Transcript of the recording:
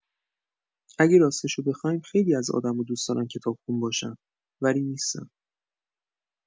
اگه راستشو بخوایم، خیلی از آدما دوست دارن کتاب‌خون باشن، ولی نیستن.